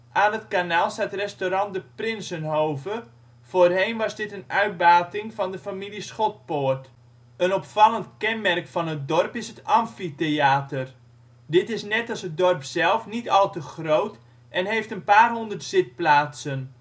Aan het kanaal staat restaurant dePrinsehove, voorheen was dit een uitbating van de familie Schotpoort. Een opvallend kenmerk van het dorp is het amfitheater. Dit is net als het dorp zelf niet al te groot en heeft een paar honderd zitplaatsen